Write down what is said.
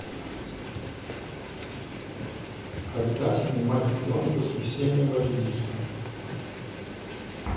когда снимать пленку с весеннего редиса